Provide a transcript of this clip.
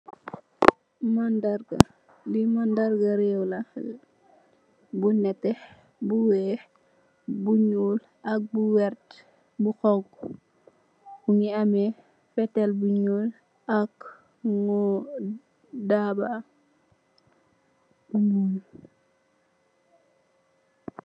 Mandarga le m andarga rewei bu neeti bu weex bu nuu ak bu werty bu jorko mu yei amei fetele bu nuu ak goe darba bu nuu